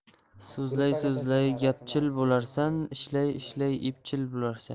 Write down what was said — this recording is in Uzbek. so'zlay so'zlay gapchil bolarsan ishlay ishlay epchil bo'larsan